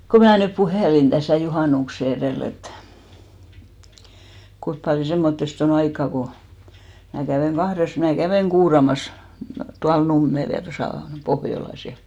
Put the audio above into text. kun minä nyt puhelin tässä juhannuksen edellä että kuinka paljon semmoisesta on aikaa kun minä kävin kahdessa minä kävin kuuraamassa tuolla Nummella ja tuossa Pohjolassa ja